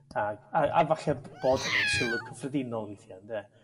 Ag a a falle b- bod hynny'n sylw cyffredinol weithie ynde?